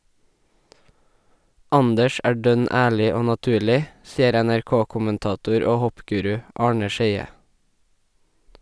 Anders er dønn ærlig og naturlig , sier NRK-kommentator og hoppguru Arne Scheie.